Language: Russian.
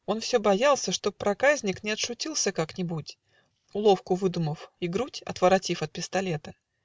Он все боялся, чтоб проказник Не отшутился как-нибудь, Уловку выдумав и грудь Отворотив от пистолета.